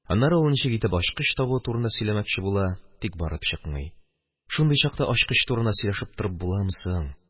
Аннары ул ничек итеп ачкыч табуы турында сөйләмәкче була, тик барып чыкмый – шундый чакта ачкыч турында сөйләшеп торып буламы соң?